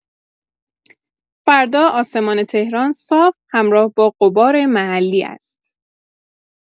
فردا آسمان تهران صاف همراه با غبار محلی است.